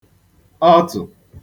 ọtụ̀